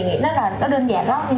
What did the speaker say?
nghĩ nó là nó đơn giản đó